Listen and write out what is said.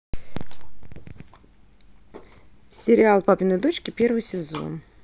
сериал папины дочки первый сезон